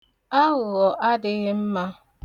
Aghụghọ adịghị mma.